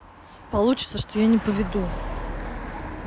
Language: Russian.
получится что я не поведу